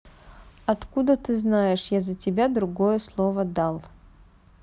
откуда ты знаешь я за тебя другое слово дал